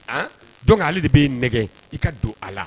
An, donc ale de b'e nɛgɛn i ka don a la